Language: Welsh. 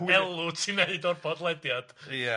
hwy- elw ti'n neud o'r podlediad. Ia.